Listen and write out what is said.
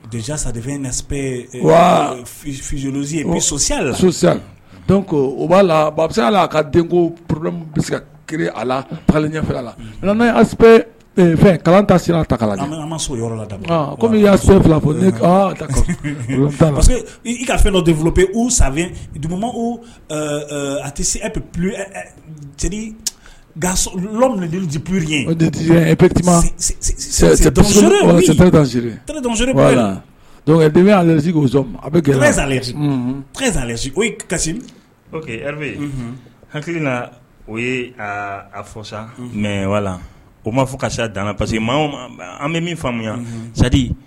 Donsoc sa defɛn nazsi ni o b'a la la ka den poro bɛ se ka ki a la ɲɛfɛ la' fɛn kalan ta ta la ma so yɔrɔ la kɔmi y'a so fila ne parce que i ka fɛn dɔ fɔlɔ pe u sanfɛ d a tɛ se ep ga la purri ep k'oz o kasi hakili na o ye a fɔsa mɛ wala o'a fɔ kasisiya dan parce que an bɛ min faamuya jatedi